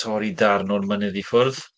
torri darn o'r mynydd i ffwrdd.